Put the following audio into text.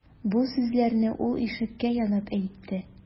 Бу сүзләрне ул ишеккә янап әйтте.